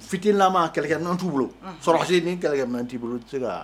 Fit naanima kɛlɛkɛ n nɔn'u bolo sɔrɔse ni'i kɛlɛkɛ nɔn' bolo tɛ se